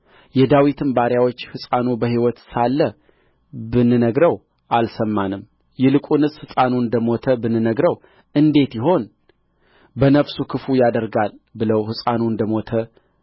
የዳዊትም ባሪያዎች ሕፃኑ በሕይወት ሳለ ብንነግረው አልሰማንም ይልቁንስ ሕፃኑ እንደ ሞተ ብንነግረው እንዴት ይሆን በነፍሱ ክፉ ያደርጋል ብለው ሕፃኑ እንደ ሞተ